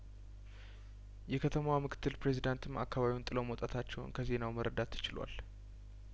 የከተማዋ ምክትል ፕሬዚዳንትም አካባቢውን ጥለው መውጣታቸውን ከዜናው መረዳት ተችሏል